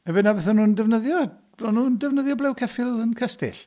Ife 'na beth o'n nhw defnyddio? O'n nhw'n defnyddio blew ceffyl yn cestyll?